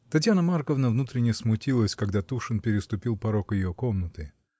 Татьяна Марковна внутренно смутилась, когда Тушин переступил порог ее комнаты.